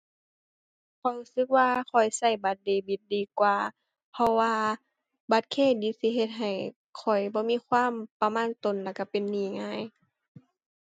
ข้อยรู้สึกว่าข้อยรู้บัตรเดบิตดีกว่า เพราะว่าบัตรเครดิตสิเฮ็ดให้ข้อยบ่มีความประมาณตนแล้วรู้เป็นหนี้ง่าย